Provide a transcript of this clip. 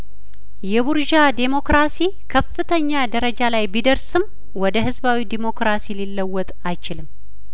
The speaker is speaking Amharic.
የቡርዣ ዴሞክራሲ ከፍተኛ ደረጃ ላይ ቢደርስም ወደ ህዝባዊ ዴሞክራሲ ሊለወጥ አይችልም